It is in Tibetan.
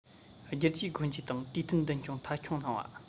བསྒྱུར བཅོས སྒོ འབྱེད དང དུས བསྟུན མདུན སྐྱོད མཐའ འཁྱོངས གནང བ